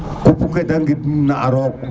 qupu kete gidim na a roog